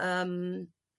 yrm